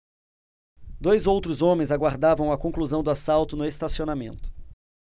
dois outros homens aguardavam a conclusão do assalto no estacionamento